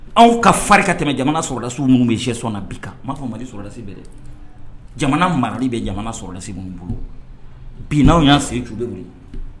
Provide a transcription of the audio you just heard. Anw ka fari ka tɛmɛ jamana sɔlasiw minnu bɛ si bi fɔlasi jamana marali bɛ jamana sɔlasi minnu bolo binanw y'a sen jube